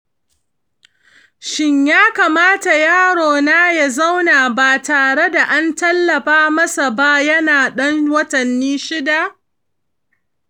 shin ya kamata yarona ya zauna ba tare da an tallaba masa ba yana ɗan watanni shida?